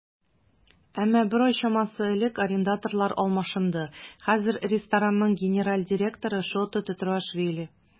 Әмма бер ай чамасы элек арендаторлар алмашынды, хәзер ресторанның генераль директоры Шота Тетруашвили.